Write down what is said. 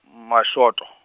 m- mašoto.